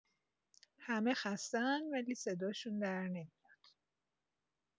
همه خسته‌ان ولی صداشون درنمیاد.